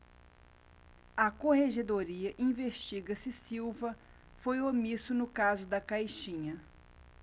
a corregedoria investiga se silva foi omisso no caso da caixinha